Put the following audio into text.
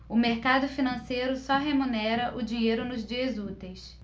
o mercado financeiro só remunera o dinheiro nos dias úteis